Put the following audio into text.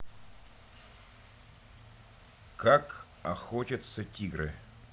как охотятся тигры